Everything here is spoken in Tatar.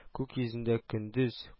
Күк йөзендә көндез